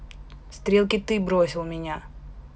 стрелки ты бросил меня